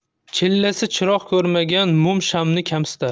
chillasi chiroq ko'rmagan mum shamni kamsitar